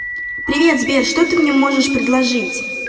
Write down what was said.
привет сбер что ты мне можешь предложить